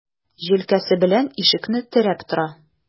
Җилкәсе белән ишекне терәп тора.